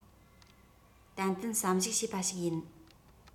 ཏན ཏན བསམ གཞིགས བྱས པ ཞིག ཡིན